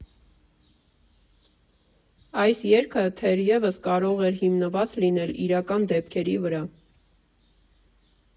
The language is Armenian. Այս երգը թերևս կարող էր հիմնված լինել իրական դեպքերի վրա։